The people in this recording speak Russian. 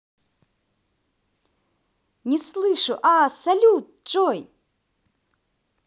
не слышу а салют джой